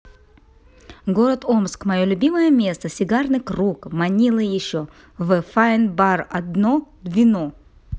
город омск мое любимое место сигарный круг манила еще в wine bar одно вино